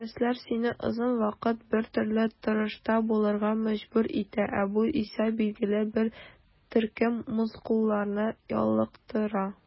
Дәресләр сине озак вакыт бертөрле торышта булырга мәҗбүр итә, ә бу исә билгеле бер төркем мускулларны ялыктыра.